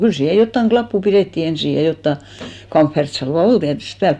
kyllä siihen jotakin lappua pidettiin ensin ja jotakin kamferttisalvaa oli tietysti päällä